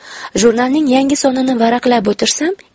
jurnalning yangi sonini varaqlab o'tirsam